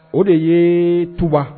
O de ye tuba